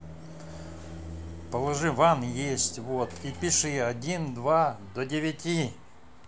положи ван есть вот и пиши один два до девяти